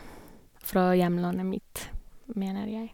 Fra hjemlandet mitt, mener jeg.